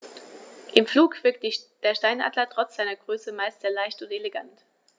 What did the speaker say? Im Flug wirkt der Steinadler trotz seiner Größe meist sehr leicht und elegant.